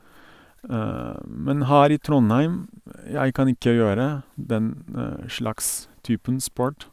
Men her i Trondheim, jeg kan ikke gjøre den slags typen sport.